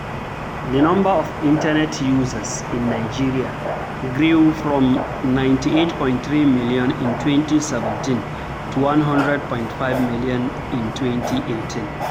The number of internet users in Nigeria grew from 98.3 million in 2017 to 100.5 million in 2018.